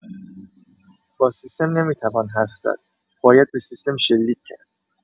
با سیستم نمی‌توان حرف زد، باید به سیستم شلیک کرد.